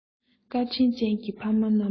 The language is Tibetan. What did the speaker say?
བཀའ དྲིན ཅན གྱི ཕ མ རྣམ པ གཉིས